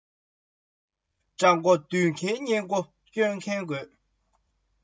འཇམ རང དྲགས ན འགག པ ཐུག པའི ཉེན